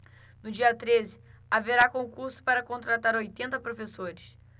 no dia treze haverá concurso para contratar oitenta professores